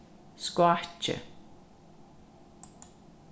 skákið